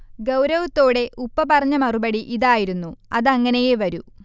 ഗൗരവത്തോടെ ഉപ്പ പറഞ്ഞ മറുപടി ഇതായിരുന്നു: അതങ്ങനെയേ വരൂ